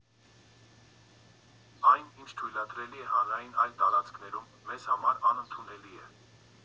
«Այն, ինչ թույլատրելի է հանրային այլ տարածքներում, մեզ համար անընդունելի է։